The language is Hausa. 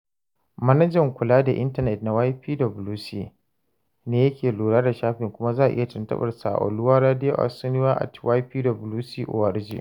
Manajan Kula da Intanet na YPWC ne yake lura da shafin kuma za a iya tuntuɓar sa ta Oluwakorede.Asuni@ypwc.org.